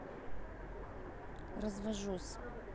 развожусь